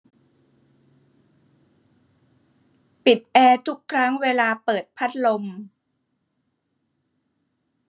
ปิดแอร์ทุกครั้งเวลาเปิดพัดลม